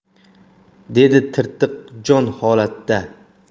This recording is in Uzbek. dedi tirtiq jon holatda